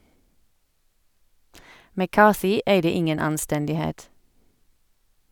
McCarthy eide ingen anstendighet.